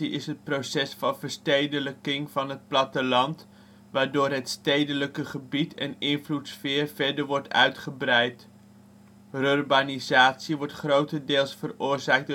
is het proces van verstedelijking van het platteland, waardoor het stedelijke gebied en invloedssfeer verder wordt uitgebreid. Rurbanisatie wordt grotendeels veroorzaakt